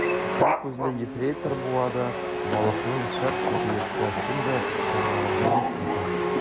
Очлы күзле ефрейтор буада балыкның шәп чиертәсен дә чамалаган икән.